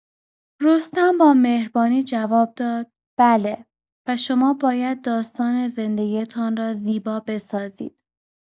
رستم با مهربانی جواب داد: «بله، و شما باید داستان زندگی‌تان را زیبا بسازید.»